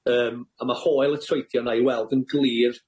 yym, a ma' hoel y troedio 'na i weld yn glir,